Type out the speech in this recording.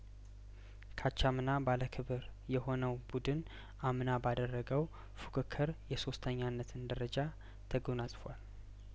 ካቻምና ባለክብር የሆነው ቡድን አምና ባደረገው ፉክክር የሶስተኛነትን ደረጃ ተጐና ጽፏል